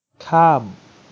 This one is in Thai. ข้าม